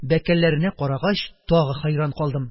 Бәкәлләренә карагач, тагы хәйран калдым: